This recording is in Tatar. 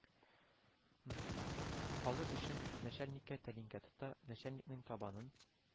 Калыр өчен нәчәлниккә тәлинкә тота, нәчәлникнең табанын